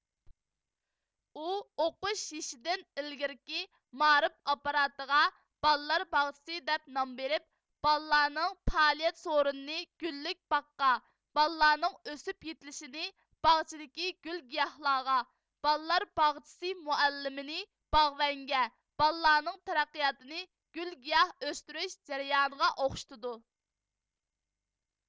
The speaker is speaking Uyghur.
ئۇ ئوقۇش يېشىدىن ئىلگىرىكى مائارىپ ئاپپاراتىغا بالىلار باغچىسى دەپ نام بېرىپ بالىلارنىڭ پائالىيەت سورۇنىنى گۈللۈك باغقا بالىلارنىڭ ئۆسۈپ يېتىلىشىنى باغچىدىكى گۈل گىياھلارغا بالىلار باغچىسى مۇئەللىمىنى باغۋەنگە بالىلارنىڭ تەرەققىياتىنى گۈل گىياھ ئۆستۈرۈش جەريانىغا ئوخشىتىدۇ